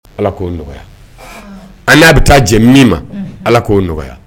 Ala k'o nɔgɔya aamin an n'a be taa jɛ min ma unhun Ala k'o nɔgɔya